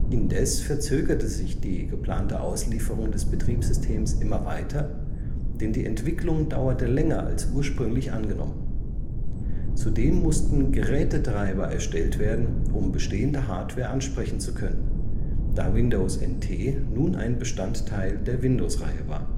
Indes verzögerte sich die geplante Auslieferung des Betriebssystems immer weiter, denn die Entwicklung dauerte länger als ursprünglich angenommen. Zudem mussten Gerätetreiber erstellt werden um bestehende Hardware ansprechen zu können, da Windows NT nun ein Bestandteil der Windows-Reihe war